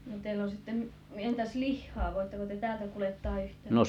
no teillä on sitten entäs lihaa voitteko te täältä kuljettaa yhtään